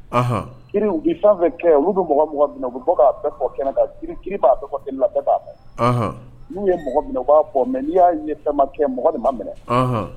I fɛn fɛn kɛ olu bɛ mɔgɔ mɔgɔ u fɔ kɛnɛ'a bɛɛ b'a n'u ye mɔgɔ minɛ b'a fɔ mɛ n'i y'a ye fɛnma kɛ mɔgɔ nin ma minɛ